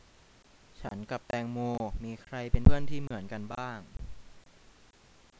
ฉันกับแตงโมมีใครเป็นเพื่อนที่เหมือนกันบ้าง